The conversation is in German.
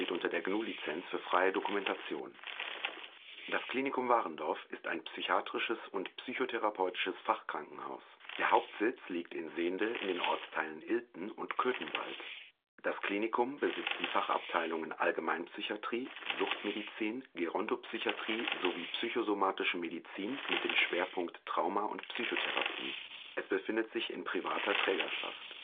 unter der GNU Lizenz für freie Dokumentation. Büste des Klinikgründers Ferdinand Wahrendorff Das Klinikum Wahrendorff ist ein psychiatrisches und psychotherapeutisches Fachkrankenhaus.Der Hauptsitz liegt in Sehnde in den Ortsteilen Ilten und Köthenwald. Das Klinikum besitzt die Fachabteilungen Allgemeinpsychiatrie, Suchtmedizin, Gerontopsychiatrie sowie Psychosomatische Medizin mit dem Schwerpunkt Trauma - und Psychotherapie. Es befindet sich in privater Trägerschaft